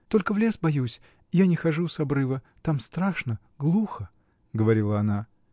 — Только в лес боюсь; я не хожу с обрыва, там страшно, глухо! — говорила она.